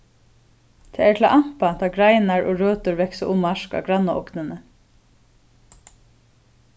tað er til ampa tá greinar og røtur vaksa um mark á grannaognini